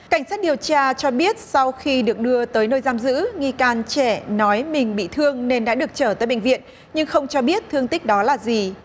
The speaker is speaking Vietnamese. cảnh sát điều tra cho biết sau khi được đưa tới nơi giam giữ nghi can trẻ nói mình bị thương nên đã được chở tới bệnh viện nhưng không cho biết thương tích đó là gì